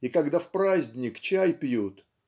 и когда в праздник чай пьют